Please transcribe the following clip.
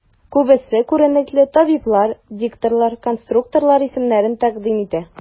Күбесе күренекле табиблар, дикторлар, конструкторлар исемнәрен тәкъдим итә.